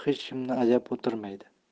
hech kimni ayab o'tirmaydi